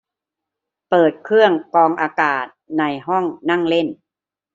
เปิดเครื่องกรองอากาศในห้องนั่งเล่น